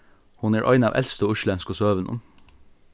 hon er ein av elstu íslendsku søgunum